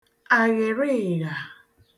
àghị̀rị̀ị̀ghà